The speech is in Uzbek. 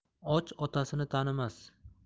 och otasini tanimas